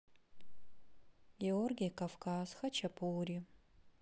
георгий кавказ хачапури